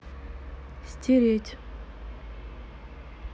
стереть